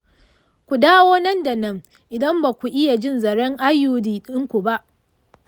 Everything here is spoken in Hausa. ku dawo nan da nan idan ba ku iya jin zaren iud ɗinku ba.